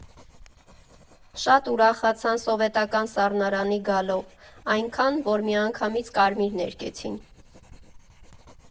Շատ ուրախացան սովետական սառնարանի գալով, այնքան, որ միանգամից կարմիր ներկեցին։